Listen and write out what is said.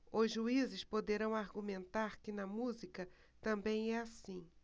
os juízes poderão argumentar que na música também é assim